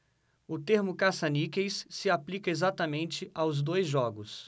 o termo caça-níqueis se aplica exatamente aos dois jogos